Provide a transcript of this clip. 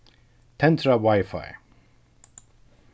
tendra wifi